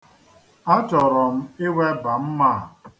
Achọrọ m ịweba mma a.